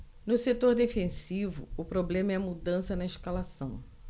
no setor defensivo o problema é a mudança na escalação